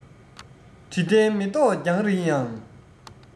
དྲི ལྡན མེ ཏོག རྒྱང རིང ཡང